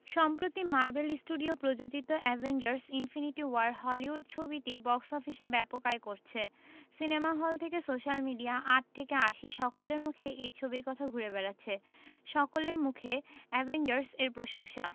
সম্প্রতি Marvel studio প্রযোজিত Avengers infinity war Hollywood ছবিটি বক্স অফিসে ব্যাপক আয় করছে সিনেমা হল থেকে সোশ্যাল মিডিয়া আট থেকে আশি সকলের মুখেই এই ছবির কথা ঘুরে বেড়াচ্ছে সকলের মুখে অ্যাভেঞ্জার্স এর প্রশংসা